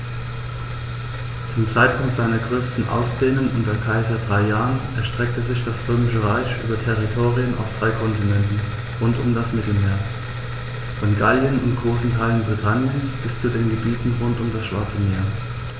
Zum Zeitpunkt seiner größten Ausdehnung unter Kaiser Trajan erstreckte sich das Römische Reich über Territorien auf drei Kontinenten rund um das Mittelmeer: Von Gallien und großen Teilen Britanniens bis zu den Gebieten rund um das Schwarze Meer.